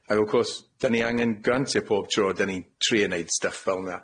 A wr' cwrs, 'dan ni angen grantie pob tro 'da ni'n trio neud stuff fel 'na.